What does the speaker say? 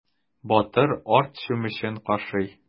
Батыр арт чүмечен кашый.